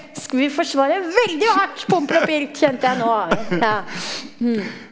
s vi forsvarer veldig hardt Pompel og Pilt kjente jeg nå ja .